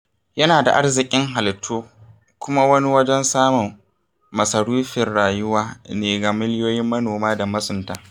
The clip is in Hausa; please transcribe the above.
Yana da arziƙin halittu kuma wani wajen samun masarufin rayuwa ne ga miliyoyin manoma da masunta.